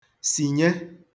sìnye [òsìsì]